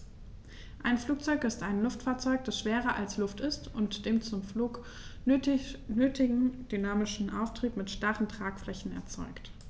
Ein Flugzeug ist ein Luftfahrzeug, das schwerer als Luft ist und den zum Flug nötigen dynamischen Auftrieb mit starren Tragflächen erzeugt.